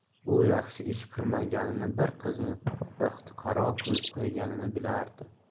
u yaxshi ish qilmaganini bir qizni baxtiqaro qilib qo'yganini bilardi